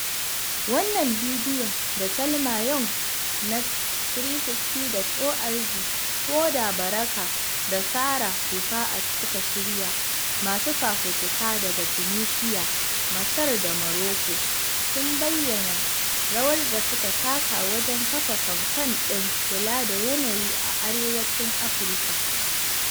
A wannan bidiyon da Thelma Young na 350.org, Hoda Baraka da Sarah Rifaat suka shirya, masu fafutuka daga Tunisia, Masar da Morocco sun bayyana rawar da suka taka wajen kafa Kamfen ɗin kula da yanayi a Arewacin Afirka.